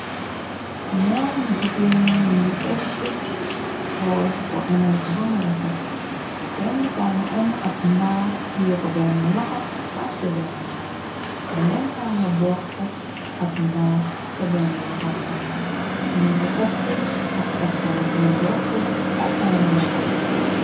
ñaari jigéen yi ñu etti xoos ko imale ko bamura rafet kenn kanga enu ab ndaa tie ko benn loxo wàcca benn ba keneen kanga bokk ab ndaa ca benn loxom ba ñoo nga takk ab takkaay seen dokk ba ak ay lon lon.